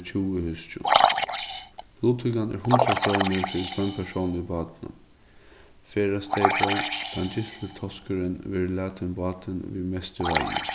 tjúgu húskjum luttøkan er hundrað krónur fyri hvønn persón í bátinum ferðasteypið tann gylti toskurin verður latin bátin við mestu veiðu